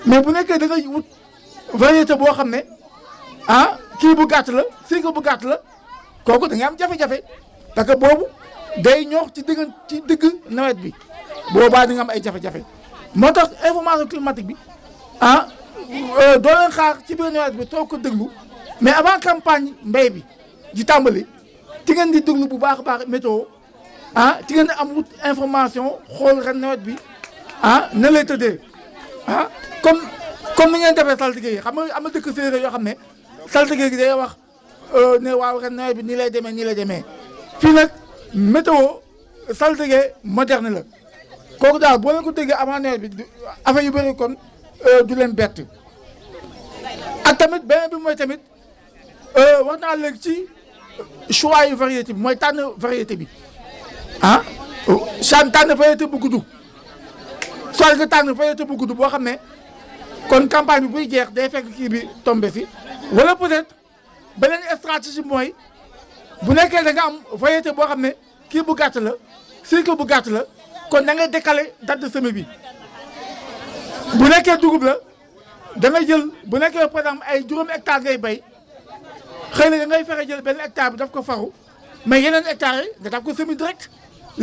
mais bu nekkee da ngay wut variété boo xam ne ah kii bu gàtt la cycle bu gàtt la kooku di nga am jafe-jafe parce que boobu day ñor ci diggan ci digg nawet bi bu boobaa di nga am ay jafe-jafe moo tax information climatique bi ah doo leen xaar ci biir nawet bi soog ko déglu mais avant camapgne mbéy bi di tàmbali ci ngeen di déglu bu baax a baax météo ah ci ngeen di am wut information xool ren nawet bi ah nan lay tëddee ah comme comme ni ngeen defee satige yi xam nga am na dëkk séeréer yoo xam ne saltige gi day wax ne waaw ren nawet bi nii lay demee nii lay demee fii nag météo saltige moderne la kooku daal boo leen ko déggee avant nawet bi di affaire yu bëri kon du leen bett ak tamit beneen bi mooy tamit wax naa la léegi ci choix yu variété bi mooy tànn variété bi ah soit nga tànn variété bu gudd soit tànn variété bu gudd boo xam ne kon campagne bi buy jeex day fekk kii bi tombé si wala peut être beneen stratégie mooy bu nekkee ne da ngaa am variété boo xam ne kii bu gàtt la cycle bu gàtt la kon na nga décalé dagg semis bi bu nekkee dugub la da ngay jël bu nekkee par exemple ay juróomi hectare ngay béy xëy na da ngay fexe jël benn hectare bi def ko faru mais yeneen hectare yi nga def ko semis direct